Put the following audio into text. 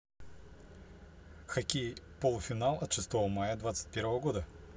хоккей полуфинал от шестого мая двадцать первого года